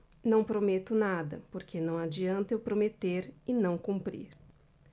não prometo nada porque não adianta eu prometer e não cumprir